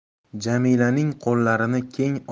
jamilaning qo'llarini keng